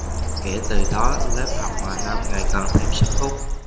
kể từ đó lớp học bà năm ngày càng thêm sức hút